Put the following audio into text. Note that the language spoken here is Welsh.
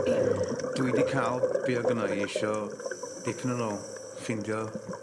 Ia. Hmm. Dwi 'di ca'l be' oedd gynna i isio dipyn yn ôl ffindio